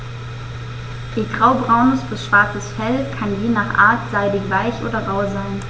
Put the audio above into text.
Ihr graubraunes bis schwarzes Fell kann je nach Art seidig-weich oder rau sein.